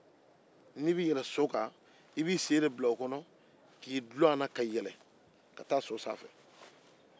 n'i yɛlɛnna so kan fɛn dɔ bɛ don a da kɔnɔ ko karafe